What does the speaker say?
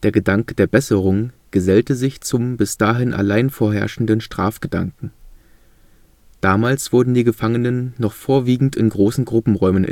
Gedanke der Besserung gesellte sich zum bis dahin allein vorherrschenden Strafgedanken. Damals wurden die Gefangenen noch vorwiegend in großen Gruppenräumen